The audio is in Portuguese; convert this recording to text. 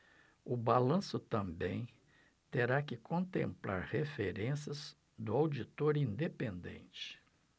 o balanço também terá que contemplar referências do auditor independente